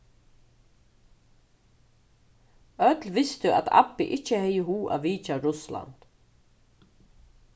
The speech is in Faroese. øll vistu at abbi ikki hevði hug at vitja russland